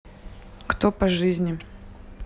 кто по жизни